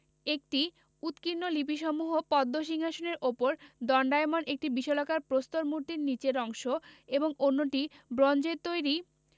একটি উৎকীর্ণ লিপিসহ পদ্ম সিংহাসনের ওপর দণ্ডায়মান একটি বিশালাকার প্রস্তর মূর্তির নিচের অংশ এবং অন্যটি ব্রোঞ্জের তৈরী